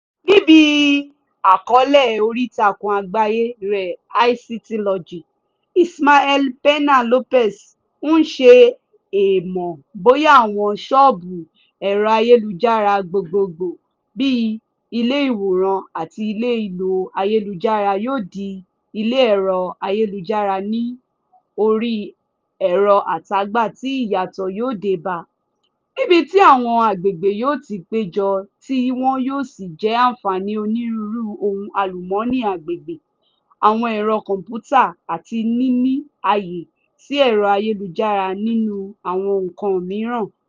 Nínú ibi àkọọ́lẹ̀ oríìtakùn àgbáyé rẹ̀ ICTlogy, Ismael Peña-López ń ṣe èmọ̀ bóyá àwọn sọ́ọ̀bù ẹ̀rọ ayélujára gbogbogbò bíi ilé ìwòran àti ilé ìlò ayélujára yóò di ilé ẹ̀rọ ayélujára orí ẹ̀rọ àtagba tí ìyàtọ̀ yóò dé bá, "níbi tí àwọn àgbègbè yóò ti péjọ tí wọ́n yóò sì jẹ àǹfààní onírúurú ohun àlùmọ́ọ́nì àgbègbè, àwọn ẹ̀rọ kọ̀m̀pútà àti níní ààyè sí ẹ̀rọ ayélujára nínú àwọn nǹkan mìíràn?